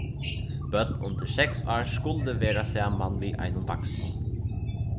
børn undir seks ár skulu vera saman við einum vaksnum